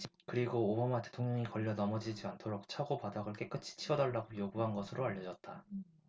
그리고 오바마 대통령이 걸려 넘어지지 않도록 차고 바닥을 깨끗이 치워달라고 요구한 것으로 알려졌다